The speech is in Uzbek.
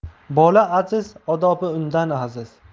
bola aziz odobi undan aziz